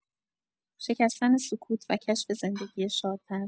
شکستن سکوت و کشف زندگی شادتر